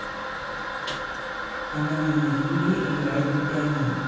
ананина юлия играет на пианино